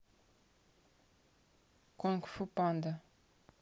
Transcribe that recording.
кунг фу панда